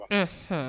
Unhun